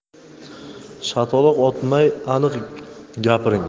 shataloq otmay aniq gapiring